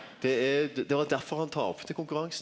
det er det var derfor han tapte konkurransen.